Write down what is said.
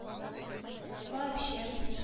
Вообще